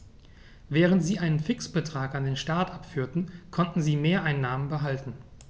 Während sie einen Fixbetrag an den Staat abführten, konnten sie Mehreinnahmen behalten.